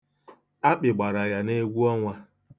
Akpị gbara ya n'egwu ọnwa.